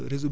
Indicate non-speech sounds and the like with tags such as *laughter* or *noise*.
*hesitation* *hesitation*